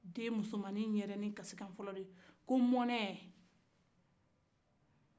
den musomani kasi kan fɔlɔ ko mɔnɛ